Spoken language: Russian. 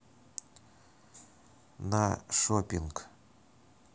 на шоппинг